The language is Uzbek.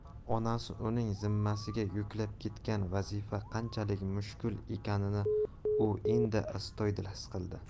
onasi uning zimmasiga yuklab ketgan vazifa qanchalik mushkul ekanini u endi astoydil his qildi